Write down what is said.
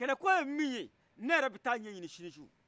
kɛlɛko ye min ye ne yɛrɛ bɛ taa a ɲɛɲini sini su